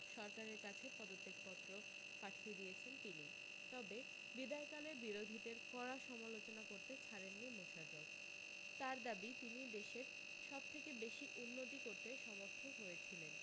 সরকারের কাছে পদত্যাগ পত্র পাঠিয়ে দিয়েছেন তিনি তবে বিদায়কালে বিরোধীদের কড়া সমালোচনা করতে ছাড়েননি মুশারফ তার দাবি তিনিই দেশের সবথেকে বেশী উন্নতি করতে সমর্থ হয়েছিলেন